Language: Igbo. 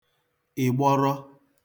ị̀gbọrọ